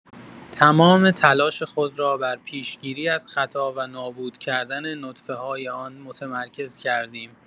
تمام تلاش خود را بر پیشگیری از خطا و نابودکردن نطفه‌های آن متمرکز کردیم.